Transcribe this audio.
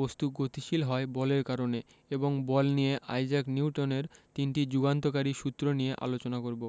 বস্তু গতিশীল হয় বলের কারণে এবং বল নিয়ে আইজাক নিউটনের তিনটি যুগান্তকারী সূত্র নিয়ে আলোচনা করব